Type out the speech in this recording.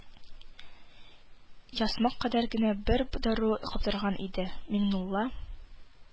Ясмык кадәр генә бер дару каптырган иде, миңнулла